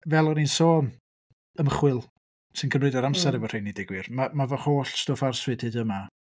Fel o'n i'n sôn ymchwil sy'n cymryd yr amser... mm. ...efo'r rhain i ddeud y gwir. Ma' ma' fy holl stwff arswyd hyd yma...